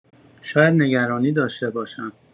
شاید نگرانی داشته باشم.